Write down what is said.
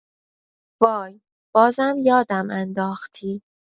وای بازم یادم انداختی